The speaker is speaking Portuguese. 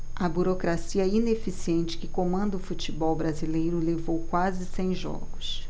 a burocracia ineficiente que comanda o futebol brasileiro levou quase cem jogos